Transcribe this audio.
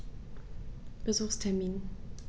Besuchstermin